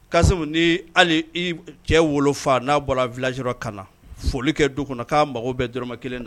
Kasimu ni hali i cɛ wolofa n'a bɔra village la ka na, foli kɛ du kɔnɔ, k'a mago bɛɛ dɔrɔmɛ kelen na